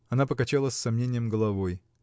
Она покачала с сомнением головой.